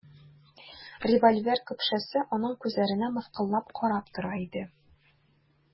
Револьвер көпшәсе аның күзләренә мыскыллап карап тора иде.